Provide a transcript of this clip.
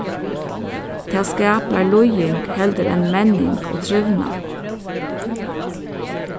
tað skapar líðing heldur enn menning og trivnað